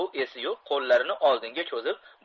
bu esi yo'q qollarini oldinga cho'zib